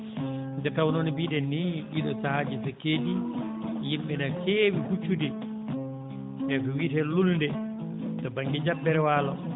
nde tawnoo no mbiiɗen ni ɗii ɗoo sahaaji so keedii yimɓe no keewi huccude e to wiyetee lulnde to baŋnge jabbere waalo